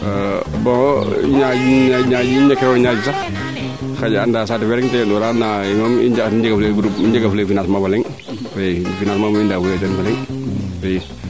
bon ñaaƴ niran kee refna o ñaaƴ sax xanja anda saate fee rek neete yond noora ndaa xaye moom i njega fule financement fa leŋ i financement moom i ndaawa fule ten o leŋ i